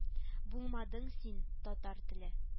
Булмадың син, татар теле